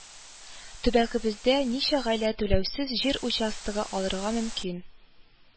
- төбәгебездә ничә гаилә түләүсез җир участогы алырга мөмкин